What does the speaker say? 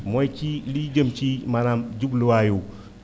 mooy ci li li jëm ci maanaam jubluwaayu